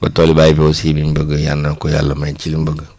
ba toolu Baye bi aussi lim bëgg yal na ko yàlla may ci lim bëgg